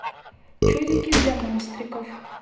чудики для монстриков